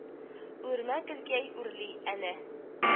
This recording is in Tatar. Үрмә гөлкәй үрли, әнә